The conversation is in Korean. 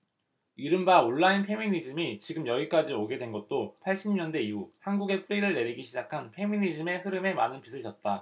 이른바 온라인 페미니즘이 지금 여기까지 오게 된 것도 팔십 년대 이후 한국에 뿌리를 내리기 시작한 페미니즘의 흐름에 많은 빚을 졌다